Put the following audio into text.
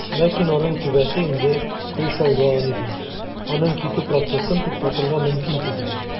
Ләкин аның түбәсе инде "кыйшайган" иде, аның китү процессын туктатырга мөмкин түгел иде.